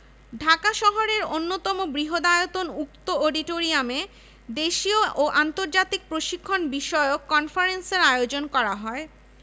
ভর্তির ব্যাপারে সহায়তার জন্য ১৯৫২ সালে Dhaka university students information bureau খোলা হয় ছাত্রসংখ্যা বৃদ্ধি